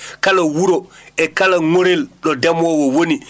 kala wuro e kala ŋorel ɗo ndemoowo woni